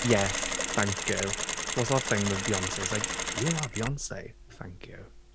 Yes thank you. So what's that thing with Beyonce? It's like "you are Beyonce." "Thank you."